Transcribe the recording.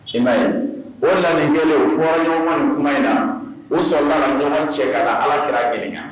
Tiɲɛ o lani kɛlen o fɔra ɲɔgɔn ni tuma in na u sɔrɔ ɲɔgɔn cɛ ka alaki ɲininka